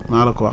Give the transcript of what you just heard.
maa la ko wax